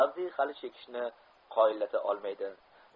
avdiy hali chekishni qoyillata olmaydi